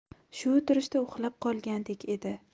shu o'tirishda uxlab qolgandek edi